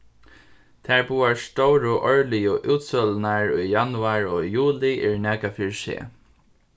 tær báðar stóru árligu útsølurnar í januar og í juli eru nakað fyri seg